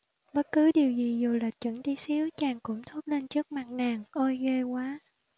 bất cứ điều gì dù lệch chuẩn tí xíu chàng cũng thốt lên trước mặt nàng ôi ghê quá